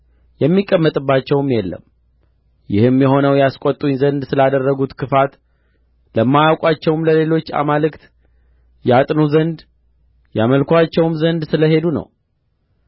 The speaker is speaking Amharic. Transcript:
የሚቀመጥባቸውም የለም ይህም የሆነው ያስቈጡኝ ዘንድ ስላደረጉት ክፋት ለማያውቁአቸውም ለሌሎች አማልክት ያጥኑ ዘንድ ያመልኩአቸውም ዘንድ ስለሄዱ ነው